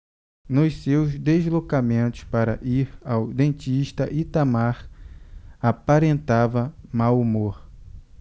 nos seus deslocamentos para ir ao dentista itamar aparentava mau humor